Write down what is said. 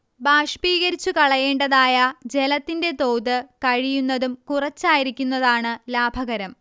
ബാഷ്പീകരിച്ചുകളയേണ്ടതായ ജലത്തിന്റെ തോത് കഴിയുന്നതും കുറച്ചായിരിക്കുന്നതാണ് ലാഭകരം